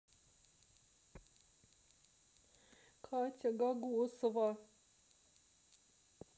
катя гогосова